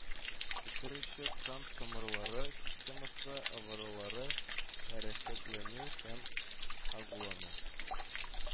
Китерүче кан тамырлары системасы авырулары, әрәхәтләнү һәм агулану